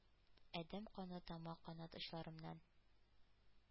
Адәм каны тама канат очларымнан: